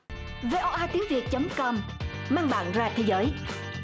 vê o a tiếng việt chấm com mang bạn ra thế giới